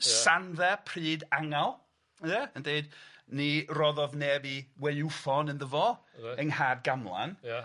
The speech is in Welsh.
Ia. Sandda pryd Angal ia yn deud ni roddodd neb 'i waywffon iddo fo. . Yng Nghad Gamlan. Ia.